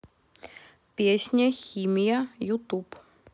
песня химия ютуб